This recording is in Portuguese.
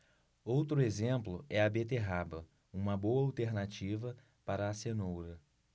outro exemplo é a beterraba uma boa alternativa para a cenoura